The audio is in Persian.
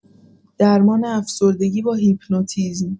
درمان افسردگی با هیپنوتیزم